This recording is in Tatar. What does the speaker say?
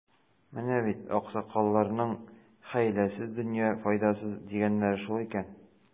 Менә бит, аксакалларның, хәйләсез — дөнья файдасыз, дигәннәре шул икән.